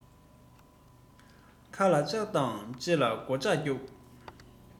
ཁ ལ ལྕགས དང ལྕེ ལ སྒོ ལྩགས རྒྱོབ